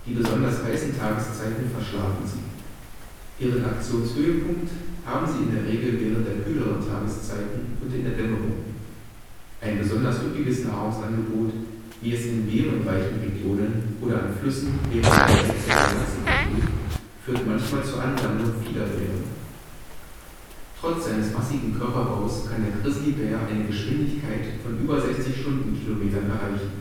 besonders heißen Tageszeiten verschlafen sie. Ihren Aktionshöhepunkt haben sie in der Regel während der kühleren Tageszeiten und in der Dämmerung. Ein besonders üppiges Nahrungsangebot, wie es in beerenreichen Regionen oder an Flüssen während der Laichzeit der Lachse besteht, führt manchmal zur Ansammlung vieler Bären. Trotz seines massigen Körperbaus kann der Grizzlybär eine Geschwindigkeit von über 60 km/h erreichen